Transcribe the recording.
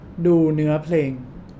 ดูเนื้อเพลง